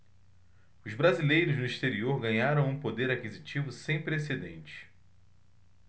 os brasileiros no exterior ganharam um poder aquisitivo sem precedentes